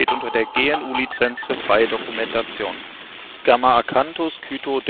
unter der GNU Lizenz für freie Dokumentation. Der